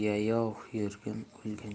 yayov yurgin o'lguncha